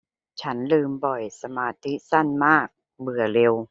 ฉันลืมบ่อยสมาธิสั้นมากเบื่อเร็ว